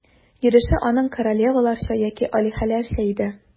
Йөреше аның королеваларча яки алиһәләрчә иде.